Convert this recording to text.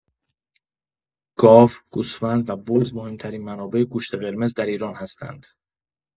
گاو، گوسفند و بز مهم‌ترین منابع گوشت قرمز در ایران هستند.